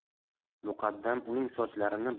muqaddam uning sochlarini